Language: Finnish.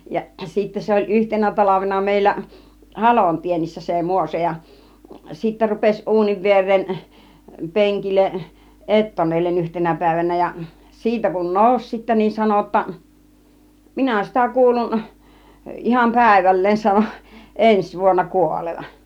ja sitten se oli yhtenä talvena meillä halonteennissä se Muoso ja sitten rupesi uunin viereen penkille ettonelle yhtenä päivänä ja siitä kun nousi sitten niin sanoi jotta minä sitä kuulun ihan päivälleen sanoi ensi vuonna kuolevan